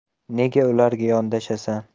nega ularga yondashasan